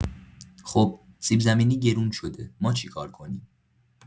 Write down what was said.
خب سیب‌زمینی گرون شده، ما چی‌کار کنیم؟